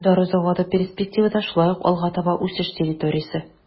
Дары заводы перспективада шулай ук алга таба үсеш территориясе.